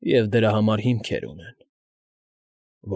Եվ դրա համար հիմքեր ունեն։